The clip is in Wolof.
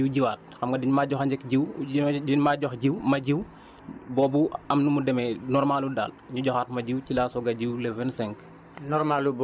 man damaa jiw jiwaat xam nga dañ maa jox njëkk jiw jox dañ maa jox jiw ma jiw boobu am nu mu demee normal lul daal ñu joxaat ma jiw ci laa soog a jiw le vingt cinq